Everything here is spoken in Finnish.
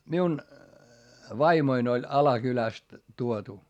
minun vaimoni oli Alakylästä tuotu